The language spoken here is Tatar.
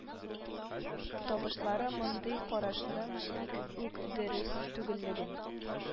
Табышлары мондый карашның бик үк дөрес түгеллеген